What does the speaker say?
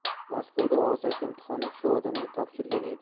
maskovda og'zaki imtihonni shu odamga topshirgan edi